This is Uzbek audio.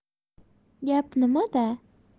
gap nimada